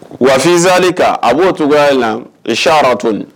Wafin zzali kan a b'o toya la i siyanra toɔni